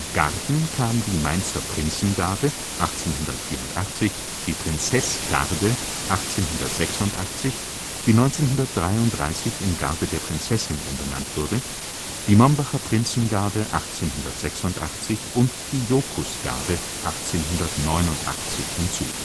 Garden kam die Mainzer Prinzengarde (1884), die Prinzessgarde (1886), die 1933 in Garde der Prinzessin umbenannt wurde, die Mombacher Prinzengarde (1886) und die Jocus-Garde (1889) hinzu